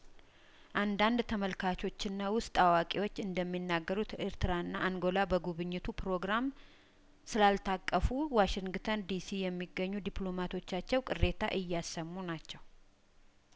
አንዳንድ ተመልካቾችና ውስጥ አዋቂዎች እንደሚናገሩት ኤርትራና አንጐላ በጉብኝቱ ፕሮግራም ስላል ታቀፉ ዋሽንግተን ዲሲ የሚገኙ ዲፕሎማቶቻቸው ቅሬታ እያሰሙ ናቸው